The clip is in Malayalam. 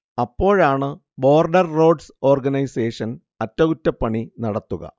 അപ്പോഴാണ് ബോർഡർ റോഡ്സ് ഓർഗനൈസേഷൻ അറ്റകുറ്റപ്പണി നടത്തുക